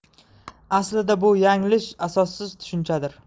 aslida bu yanglish asossiz tushunchadir